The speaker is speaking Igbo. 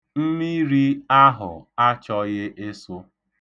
Mmiri ahụ achọghị ịsụ.